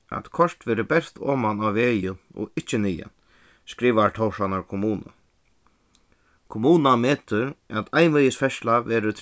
at koyrt verður bert oman á vegin og ikki niðan skrivar tórshavnar kommuna kommunan metir at einvegis ferðsla verður